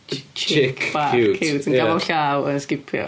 Chick bach ciwt yn gafael llaw ag yn sgipio.